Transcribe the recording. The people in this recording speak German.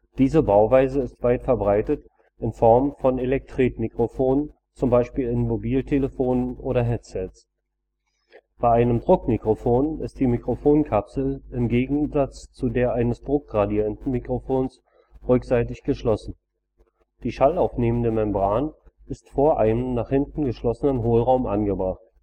Diese Bauweise ist weit verbreitet in Form von Elektretmikrofonen, z. B. in Mobiltelefonen oder Headsets. Bei einem Druckmikrofon ist die Mikrofonkapsel im Gegensatz zu der eines Druckgradientenmikrofons rückseitig geschlossen: Die schallaufnehmende Membran ist vor einem nach hinten geschlossenen Hohlraum angebracht